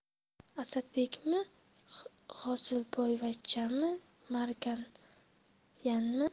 asadbekmi hosilboyvachchami markanyanmi